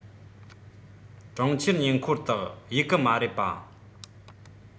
གྲོང ཁྱེར ཉེ འཁོར དག གཡུགས གི མ རེད པཱ